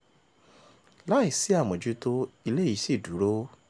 Láìsí àmójútó, ilé yìí ṣì dúró.